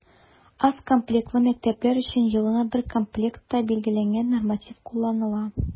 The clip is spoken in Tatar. Аз комплектлы мәктәпләр өчен елына бер комплектка билгеләнгән норматив кулланыла.